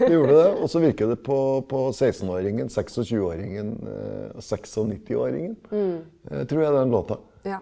gjorde det, og så virker det på på sekstenåringen, tjueseksåringen, og nittiseksåringen tror jeg den låta.